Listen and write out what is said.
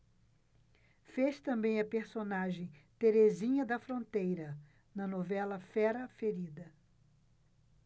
fez também a personagem terezinha da fronteira na novela fera ferida